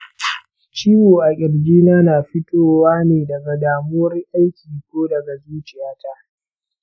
ciwo a ƙirjina na fitowa ne daga damuwar aiki ko daga zuciyata?